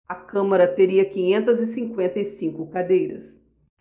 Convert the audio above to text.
a câmara teria quinhentas e cinquenta e cinco cadeiras